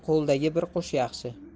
qo'ldagi bir qush yaxshi